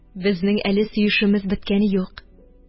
Безнең әле сөешүемез беткәне юк